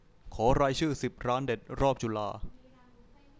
ขอรายชื่อสิบร้านเด็ดรอบจุฬา